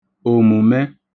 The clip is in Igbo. òmùmẹ